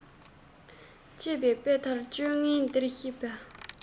ཅེས པའི དཔེ ལྟར སྤྱོད ངན འདོར ཤེས པ